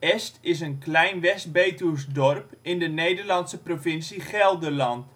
Est is een klein West-Betuws dorp in de Nederlandse provincie Gelderland.